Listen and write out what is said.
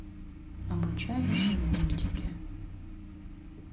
обучающие мультики